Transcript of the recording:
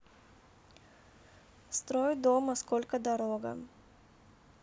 строй дома сколько дорога